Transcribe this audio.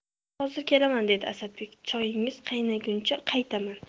hozir kelaman dedi asadbek choyingiz qaynaguncha qaytaman